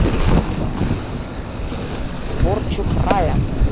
вор чухрая